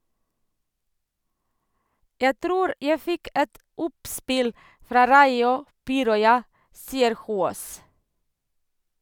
- Jeg tror jeg fikk et oppspill fra Raio Piiroja, sier Hoås.